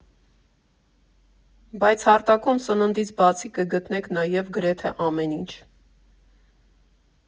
Բայց հարթակում սննդից բացի կգտնեք նաև գրեթե ամեն ինչ.